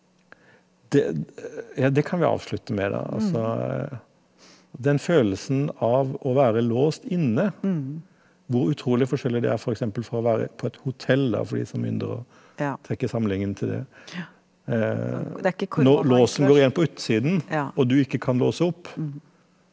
det ja det kan vi avslutte med da altså den følelsen av å være låst inne, hvor utrolig forskjellig det er f.eks. fra å være på et hotell da fordi formyndere trekker sammenligningen til det når låsen går igjen på utsiden og du ikke kan låse opp.